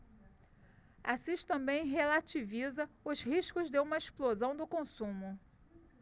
assis também relativiza os riscos de uma explosão do consumo